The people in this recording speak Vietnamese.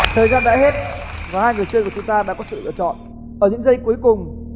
thời gian đã hết và hai người chơi của chúng ta đã có sự lựa chọn ở những giây cuối cùng